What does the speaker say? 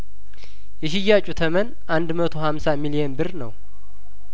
የሽያጩ ተመን አንድ መቶ ሀምሳ ሚሊየን ብር ነው